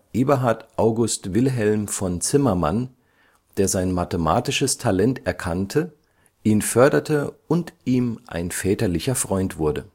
Eberhard August Wilhelm von Zimmermann, der sein mathematisches Talent erkannte, ihn förderte und ihm ein väterlicher Freund wurde